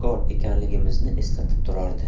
gunohkor ekanligimizni eslatib turardi